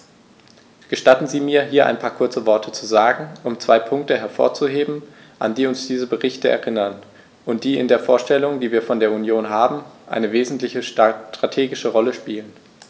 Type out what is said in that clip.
Gestatten Sie mir, hier ein paar kurze Worte zu sagen, um zwei Punkte hervorzuheben, an die uns diese Berichte erinnern und die in der Vorstellung, die wir von der Union haben, eine wesentliche strategische Rolle spielen.